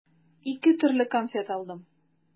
Ике төрле конфет алдым.